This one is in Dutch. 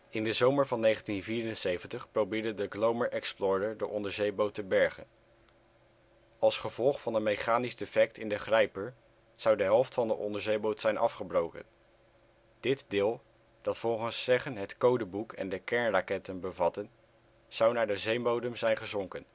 In de zomer van 1974 probeerde de Glomar Explorer de onderzeeboot te bergen. Als gevolg van een mechanisch defect in de grijper zou de helft van de onderzeeboot zijn afgebroken. Dit deel, dat volgens zeggen het codeboek en de kernraketten bevatte, zou naar de zeebodem zijn gezonken